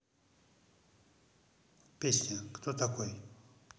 песня кто такой